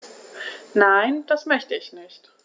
Nein, das möchte ich nicht.